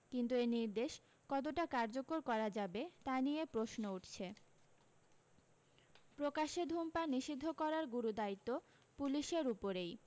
কিন্তু এই নির্দেশ কতটা কার্যকর করা যাবে তা নিয়ে প্রশ্ন উঠছে প্রকাশ্যে ধূমপান নিষিদ্ধ করার গুরুদায়িত্ব পুলিশের উপরেই